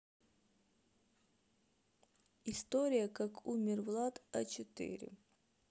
история как умер влад а четыре